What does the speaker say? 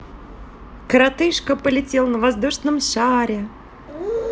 коротышка полетел на воздушном шаре